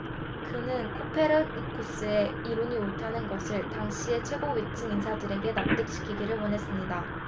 그는 코페르니쿠스의 이론이 옳다는 것을 당시의 최고위층 인사들에게 납득시키기를 원했습니다